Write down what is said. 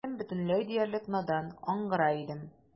Ә үзем бөтенләй диярлек надан, аңгыра идем.